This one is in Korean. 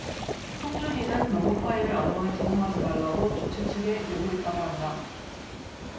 통준위는 녹음 파일을 언론에 제공하지 말라고 주최 측에 요구했다고 한다